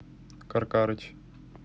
кар карыч